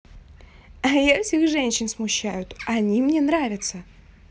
а я всех женщин смущают они мне нравятся